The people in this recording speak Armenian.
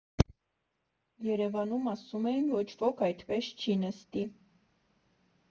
Երևանում, ասում էին, ոչ ոք այդպես չի նստի»։